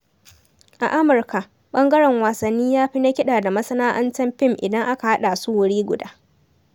A Amurka, ɓangaren wasanni ya fi na kiɗa da masana'antar fim idan aka haɗa su wuri guda.